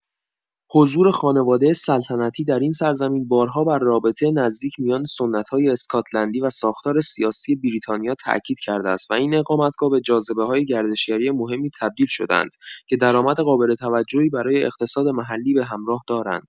حضور خانواده سلطنتی در این سرزمین بارها بر رابطه نزدیک میان سنت‌های اسکاتلندی و ساختار سیاسی بریتانیا تاکید کرده است و این اقامتگاه‌ها به جاذبه‌های گردشگری مهمی تبدیل شده‌اند که درآمد قابل توجهی برای اقتصاد محلی به همراه دارند.